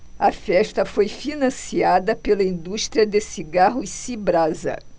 a festa foi financiada pela indústria de cigarros cibrasa